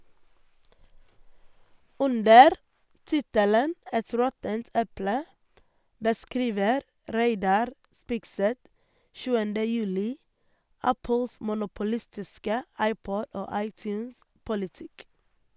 Under tittelen «Et råttent eple» beskriver Reidar Spigseth 7. juli Apples monopolistiske iPod- og iTunes-politikk.